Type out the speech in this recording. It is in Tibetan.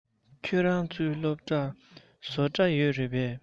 ཁྱོད རང ཚོའི སློབ གྲྭར བཟོ གྲྭ ཡོད རེད པས